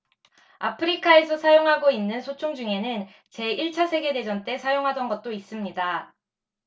아프리카에서 사용하고 있는 소총 중에는 제 일 차 세계 대전 때 사용하던 것도 있습니다